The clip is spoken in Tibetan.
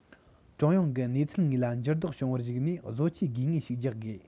ཀྲུང དབྱང གིས གནས ཚུལ དངོས ལ འགྱུར ལྡོག བྱུང བར གཞིགས ནས བཟོ བཅོས དགོས ངེས ཤིག རྒྱག དགོས